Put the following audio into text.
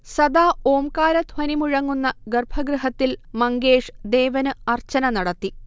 സദാ ഓംകാരധ്വനി മുഴങ്ങുന്ന ഗർഭഗൃഹത്തിൽ മങ്കേഷ് ദേവന് അർച്ചന നടത്തി